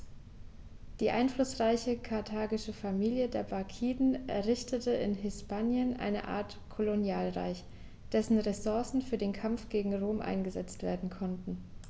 Die einflussreiche karthagische Familie der Barkiden errichtete in Hispanien eine Art Kolonialreich, dessen Ressourcen für den Kampf gegen Rom eingesetzt werden konnten.